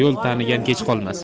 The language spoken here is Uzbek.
yo'l tanigan kech qolmas